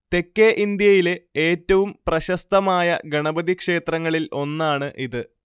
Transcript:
തെക്കേ ഇന്ത്യയിലെ ഏറ്റവും പ്രശസ്തമായ ഗണപതി ക്ഷേത്രങ്ങളിൽ ഒന്നാണ് ഇത്